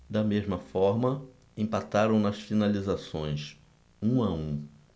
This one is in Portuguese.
da mesma forma empataram nas finalizações um a um